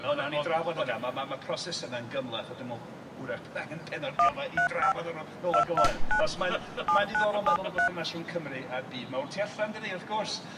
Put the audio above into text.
O nawn ni drafod hwnna. Ma' ma' ma' proses yna'n gymleth a dwi'n me'wl hwrach bydd angen pennod gyfa i drafod hwnnw nôl ag ymlaen 'chos mae'n.... ...mae'n ddiddorol meddwl am berthynas rhwng Cymru a'r byd mawr tu allan dydi wrth gwrs. Ia.